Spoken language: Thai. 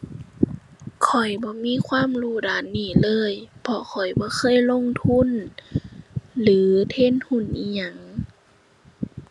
ข้อยบ่มีความรู้ด้านนี้เลย เพราะข้อยบ่เคยลงทุน หรือเทรดหุ้นอิหยัง